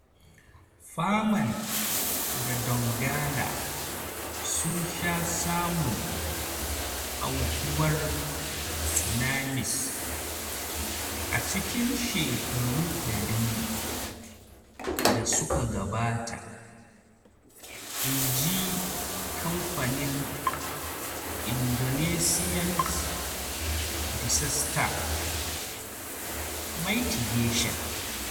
Paman da Donggala sun sha samun aukuwar tsunamis a cikin shekaru 100 da suka gabata, in ji kamfanin Indonesia's Disaster Mitigation.